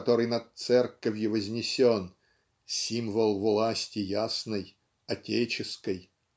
который над церковью вознесен "символ власти ясной Отеческой"